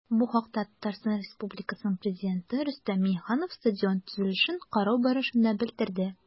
Бу хакта ТР Пррезиденты Рөстәм Миңнеханов стадион төзелешен карау барышында белдерде.